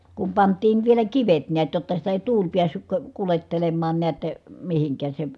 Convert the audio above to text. kun pantiin vielä kivet näet jotta sitä ei tuuli päässyt - kuljettelemaan näet mihinkään se